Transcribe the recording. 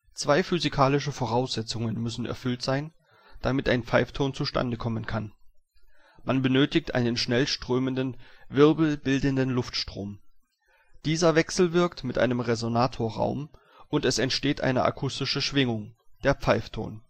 Zwei physikalische Voraussetzungen müssen erfüllt sein, damit ein Pfeifton zustande kommen kann: Man benötigt einen schnell strömenden, Wirbel bildenden Luftstrom. Dieser wechselwirkt mit einem Resonatorraum, und es entsteht eine akustische Schwingung, der Pfeifton